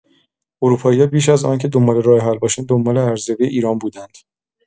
اروپایی‌ها بیش از آنکه دنبال راه‌حل باشند دنبال ارزیابی ایران بودند.